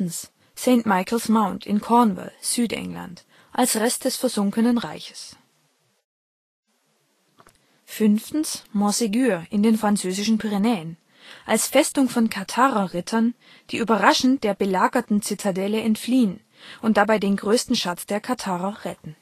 St. Michaels Mount in Cornwall, Südengland, als Rest des versunkenen Reiches. Montségur in den französischen Pyrenäen, als Festung von Katharer-Rittern, die überraschend der belagerten Zitadelle entfliehen und dabei den größten Schatz der Katharer retten